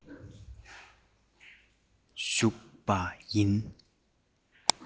ཞུགས པ ཡིན